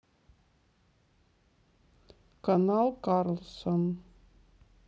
канал карлсон